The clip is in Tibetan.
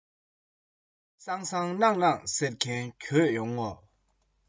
སང སང གནངས གནངས ཟེར གྱིན འགྱོད ཡོང ངོ